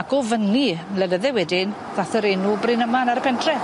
Ac o fyn 'ny mlynydde wedyn ddath yr enw Bryn Aman ar y pentre.